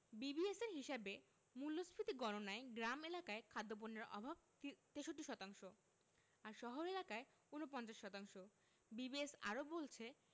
বিবিএসের হিসাবে মূল্যস্ফীতি গণনায় গ্রাম এলাকায় খাদ্যপণ্যের অভাব তে ৬৩ শতাংশ আর শহর এলাকায় ৪৯ শতাংশ বিবিএস আরও বলছে